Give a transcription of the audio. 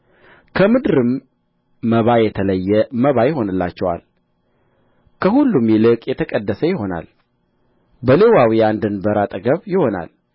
ከምድርም መባ የተለየ መባ ይሆንላቸዋል ከሁሉም ይልቅ የተቀደሰ ይሆናል በሌዋውያን ድንበር አጠገብ ይሆናል